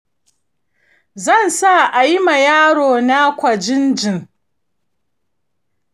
zan sa ayi ma yaron kwajin ji.